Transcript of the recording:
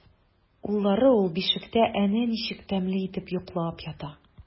Уллары ул бишектә әнә ничек тәмле итеп йоклап ята!